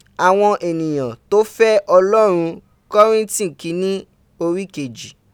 Awon eniyan to fe olorun korinti kinni ori keji